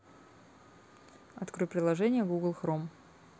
открой приложение google chrome